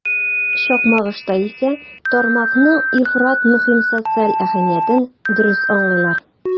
Чакмагышта исә тармакның ифрат мөһим социаль әһәмиятен дөрес аңлыйлар.